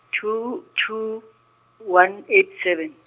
two two, one eight seven.